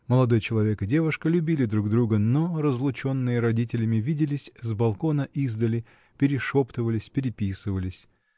Молодой человек и девушка любили друг друга, но, разлученные родителями, виделись с балкона издали, перешептывались, переписывались.